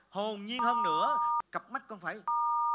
hồn nhiên hơn nữa cặp mắt con phải